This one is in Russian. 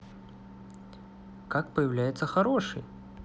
как поется хороший